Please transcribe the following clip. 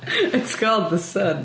It's called the sun.